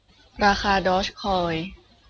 ราคาดอร์จคอย